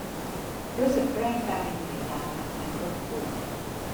รู้สึกร่างกายเหนื่อยล้าเหมือนคนป่วย